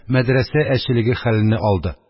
Мәдрәсә әчелеге хәлене алды.